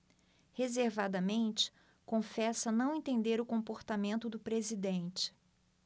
reservadamente confessa não entender o comportamento do presidente